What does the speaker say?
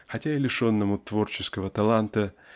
хотя и лишенному творческого таланта